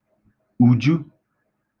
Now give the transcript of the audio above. ùju